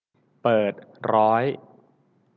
เปิดร้อย